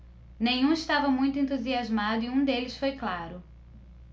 nenhum estava muito entusiasmado e um deles foi claro